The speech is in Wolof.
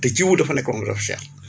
te jiw dafa nekk loo xam ne dafa cher